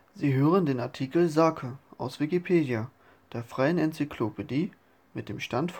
Sie hören den Artikel Sake, aus Wikipedia, der freien Enzyklopädie. Mit dem Stand vom